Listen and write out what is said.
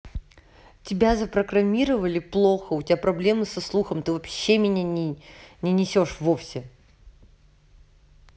тебя запрограммировали плохо у тебя проблема со слухом ты вообще меня несешь вовсе